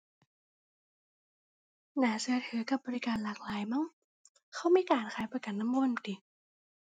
น่าเชื่อถือกับบริการหลากหลายมั้ง เขามีการขายประกันนำบ่แม่นติ